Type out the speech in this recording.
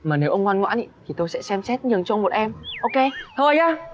mà nếu ông ngoan ngoãn ý thì tôi sẽ xem xét nhường cho ông một em ô kê thôi nhớ